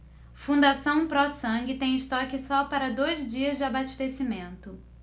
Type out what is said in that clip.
fundação pró sangue tem estoque só para dois dias de abastecimento